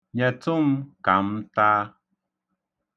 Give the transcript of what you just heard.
Nyetụ m ka m taa.